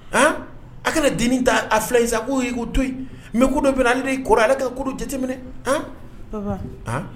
Han, a kana dennin ta a filan ye sa, a ko ye ko to yen. Mais ko dɔw bɛ yen, ale de ye kɔrɔ ye , ale ka ko dɔw jateminɛ, an, papa, an